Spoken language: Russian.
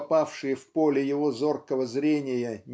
попавшие в поле его зоркого зрения